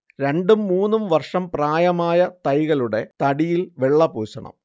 രണ്ടും മൂന്നും വർഷം പ്രായമായ തൈകളുടെ തടിയിൽ വെള്ള പൂശണം